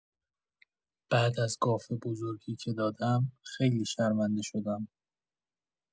بعد از گاف بزرگی که دادم، خیلی شرمنده شدم.